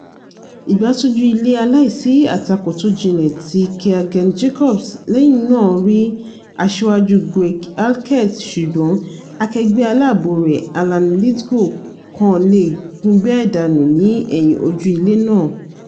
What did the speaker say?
Ìgbásójú-ilé aláìsí-àtakò tójinlẹ̀ ti Keaghan Jacobs lẹ́yìn náà rí asíwáju Craig Halkett ṣùgbọ́n akẹgbẹ́ aláàbò rẹ̀ Alan Lithgow kàn leè gúnbẹ dànù ní ẹ̀yìn ojú-ilé náà.